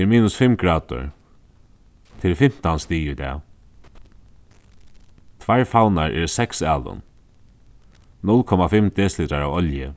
tað eru minus fimm gradir tað eru fimtan stig í dag tveir favnar eru seks alin null komma fimm desilitrar av olju